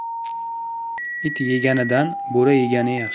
it yeganidan bo'ri yegani yaxshi